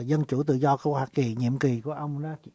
dân chủ tự do của hoa kỳ nhiệm kỳ của ông đó